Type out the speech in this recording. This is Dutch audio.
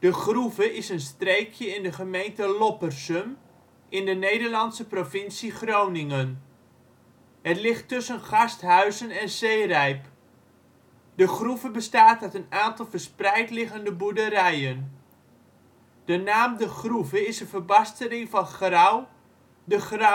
Groeve is een streekje in de gemeente Loppersum in de Nederlandse provincie Groningen. Het ligt tussen Garsthuizen en Zeerijp. De Groeve bestaat uit een aantal verspreid liggende boerderijen. De naam De Groeve is een verbastering van Grou, De Grouve. Grou